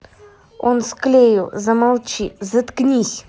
он склею замолчи заткнись